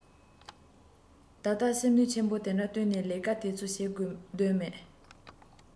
ད ལྟ སེམས ནུས ཆེན པོ དེ འདྲ བཏོན ནས ལས ཀ དེ ཚོ བྱེད དགོས དོན མེད